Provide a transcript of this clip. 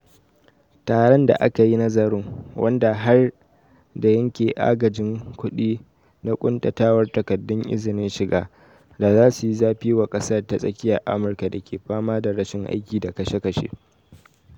Taran da aka yi nazarin, wanda har da yanke agajin kuɗi da kuntatawar takardun izinin shiga, da za su yi zafi wa Kasar ta Tsakiyar Amurka da ke fama da rashin aiki da kashe-kashe.